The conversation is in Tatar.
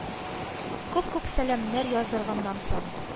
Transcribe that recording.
Күп-күп сәламнәр яздырганнан соң,